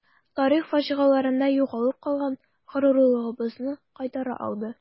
Тарих фаҗигаларында югалып калган горурлыгыбызны кайтара алды.